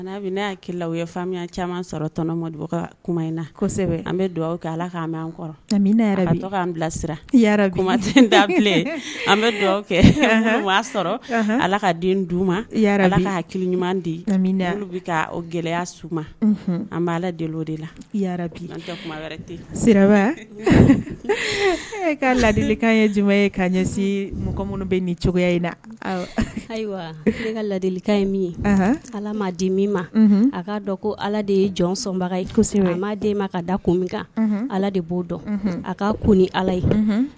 Ye camanɔnɔ ma kuma in na an bɛ dugawu kɛ alaan kɔrɔ bilasira da filɛ an bɛ dugawu kɛ sɔrɔ ala ka den ɲuman di gɛlɛya su an bɛ' ala deli o de la e ka ladili ye jumuma ye ka ɲɛsin mɔgɔ minnu bɛ ni cogoya in la ayiwa ne ka ladilika ye min ye ala'a di min ma a'a dɔn ko ala de ye jɔnsɔnbaga i ko' den ma ka da kun min ala de b'o dɔn a ka kun ni ala ye